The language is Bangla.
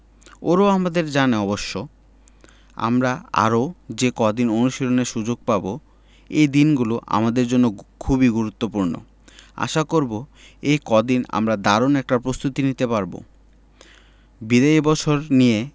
ওরাও আমাদের জানে অবশ্য আমরা আরও যে কদিন অনুশীলনের সুযোগ পাব এই দিনগুলো আমাদের জন্য খুবই গুরুত্বপূর্ণ আশা করব এই কদিনে আমরা দারুণ একটা প্রস্তুতি নিতে পারব বিদায়ী বছর নিয়ে